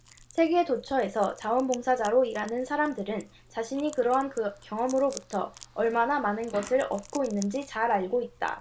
세계 도처에서 자원 봉사자로 일하는 사람들은 자신이 그러한 경험으로부터 얼마나 많은 것을 얻고 있는지 잘 알고 있다